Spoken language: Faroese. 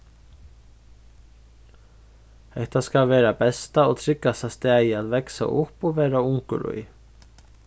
hetta skal vera besta og tryggasta staðið at vaksa upp og vera ungur í